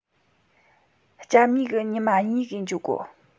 སྐྱ མྱི གིས ཉི མ གཉིས གིས འགྱོ དགོ